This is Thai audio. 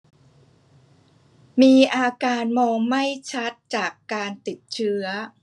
มีอาการมองไม่ชัดจากการติดเชื้อ